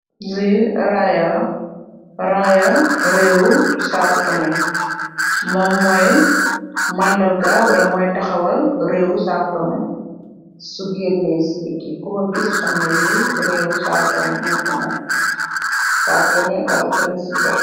Ii raaya la, raaya rëwu Saotomi mom mooy taxawal Wala mandargaal rëwu Sãotomi. Su gëëne si bitti, ku ko gis xam ne lii rëwu Saotomi moo ko moom.